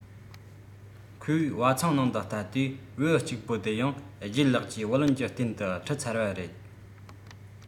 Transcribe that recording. ཁོས བ ཚང ནང དུ ལྟ དུས བེའུ གཅིག པུ དེ ཡང ལྗད ལགས ཀྱིས བུ ལོན གྱི རྟེན དུ ཁྲིད ཚར བ རེད